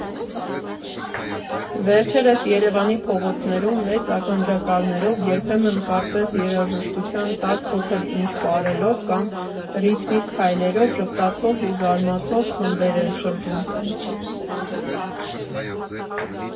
Վերջերս Երևանի փողոցներում մեծ ականջակալներով, երբեմն կարծես երաժշտության տակ փոքր֊ինչ պարելով կամ ռիթմիկ քայլերով, ժպտացող ու զարմացող խմբեր են շրջում։